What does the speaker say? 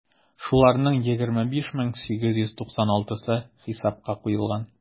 Шуларның 25 мең 896-сы хисапка куелган.